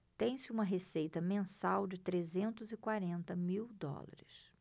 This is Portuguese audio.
tem-se uma receita mensal de trezentos e quarenta mil dólares